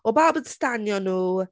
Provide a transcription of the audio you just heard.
Oedd bawb yn stanio nhw.